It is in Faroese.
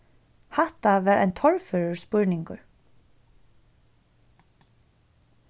hatta var ein torførur spurningur